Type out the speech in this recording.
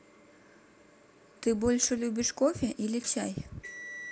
ты больше любишь кофе или чай